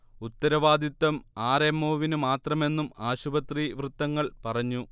ഉത്തരവാദിത്തം R. M. ഒവിനു മാത്രമെന്നും ആശുപത്രി വൃത്തങ്ങൾ പറഞ്ഞു